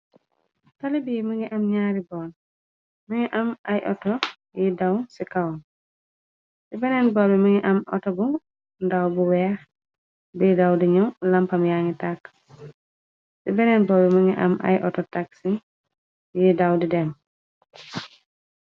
Talibi mi ngi am ñaari boor, mi ngi am ay auto yi daw ci kawon, ci beneen boorbi, mi ngi am outo bu ndaw, bu weex, bi daw diñu lampam yaangi tàkk. ci beneen boor bi, mi ngi am ay auto taxi yi daw di dem.